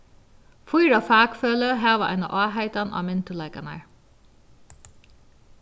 fýra fakfeløg hava eina áheitan á myndugleikarnar